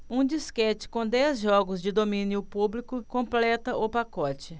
um disquete com dez jogos de domínio público completa o pacote